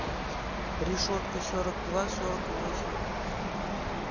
решетка сорок два сорок восемь